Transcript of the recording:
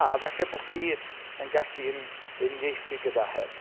A falle bo' chi yn gallu un- unieithu gyda hyn.